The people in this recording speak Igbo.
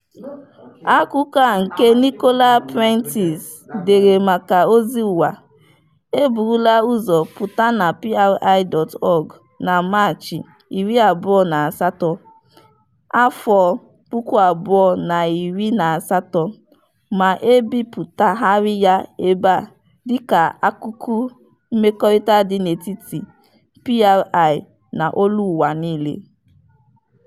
Akụkọ a nke Nicola Prentis dere maka GlobalPost e bụrụla ụzọ pụta na PRI.org na Maachị 28, 2018, ma e bipụtagharị ya ebe a dịka akụkụ mmekorita dị n'etiti PRI na Global Voices.